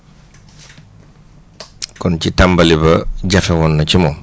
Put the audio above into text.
kon ci tàmbali ba jafe woon na ci moom